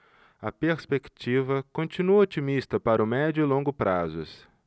a perspectiva continua otimista para o médio e longo prazos